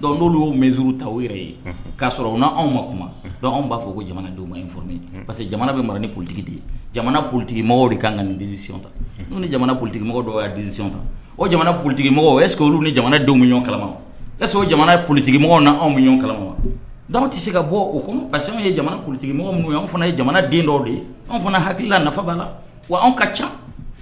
Dɔnku oluolu y' min z ta yɛrɛ ye k'a sɔrɔ u' anw ma kuma dɔnku anw b'a fɔ ko jamanadenw ma in ye parce que jamana bɛ mara ni politigi di ye jamana politigimɔgɔ de' kan nin ta'u ni jamana politigimɔgɔ dɔw y' diy ta o jamana politigimɔgɔ se olu ni jamanadenw ɲɔgɔn kala ka sɔrɔ jamana ye politigimɔgɔ na anw ɲɔn kala dama tɛ se ka bɔ o kɔnɔ parcesi ye jamana ptigimɔgɔ minnu ye anw fana ye jamana den dɔw de ye anw fana hakilila nafa bala la wa anw ka ca